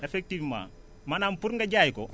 effectivement maanaam pour nga jaay ko